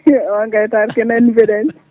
on tawata kene anndi mbeɗa anndi